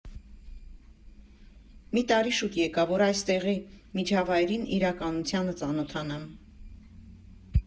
«Մի տարի շուտ եկա, որ այստեղի միջավայրին, իրականությանը ծանոթանամ։